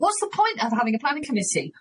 What's the point of having a planning committee?